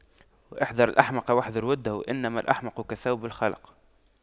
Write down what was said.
احذر الأحمق واحذر وُدَّهُ إنما الأحمق كالثوب الْخَلَق